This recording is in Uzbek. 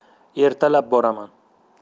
ertalab boraman